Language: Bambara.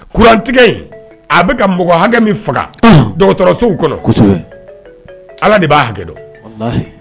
Kurantigɛ in, a bɛ ka ka mɔgɔ hakɛ min faga, anhan, dɔgɔtɔrɔsow kɔnɔ, kosɛbɛ, Ala de b'a hakɛ dɔn, walahi